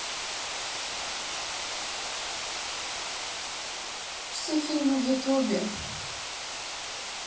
все фильмы в ютубе